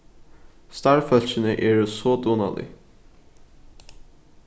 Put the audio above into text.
starvsfólkini eru so dugnalig